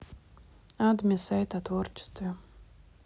адме сайт о творчестве